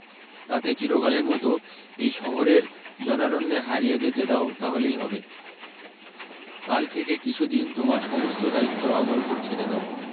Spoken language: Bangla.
তাকে চিরকালের মতো এই শহরের জনারণ্যে হারিয়ে যেতে দাও তাহলেই হবে কাল থেকে কিছুদিন তোমার সমস্ত দ্বায়িত্ব আমার উপর ছেড়ে দাও